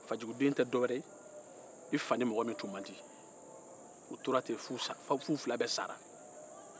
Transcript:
fajuguden tɛ dɔwɛrɛ ye i fa ni maa min tun man di u tora ten f'u fila bɛɛ sara